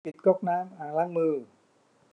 ปิดก๊อกน้ำน้ำอ่างล้างมือ